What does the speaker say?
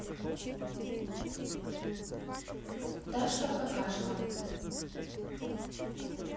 дашка какашка